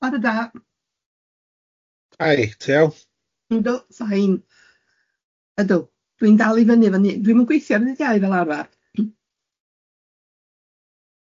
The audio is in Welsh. Chwarae da. Hi, ti iawn? Yndw, fine ydw, dwi'n dal i fyny efo ni- dwi'm yn gweithio ar y dydd Iau fel arfer.